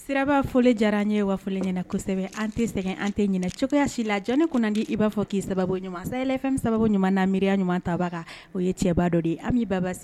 Siraba foli diyara an n ɲɛ ye wafɔ ɲɛna kosɛbɛ an tɛ sɛgɛn an tɛ ɲini cogoyaya si la jɔn ne kunna di i b'a fɔ k'i sababu ɲuman ye fɛn sababu ɲuman na miiri ɲuman taba kan o ye cɛba dɔ de anba se